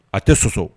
A tɛ soso